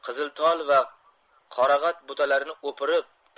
qizil tol va qorag'at butalarini o'pirib o'tib